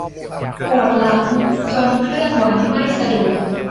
ปวดหลังจนเคลื่อนไหวไม่สะดวก